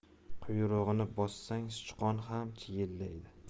quyrug'ini bossang sichqon ham chiyillaydi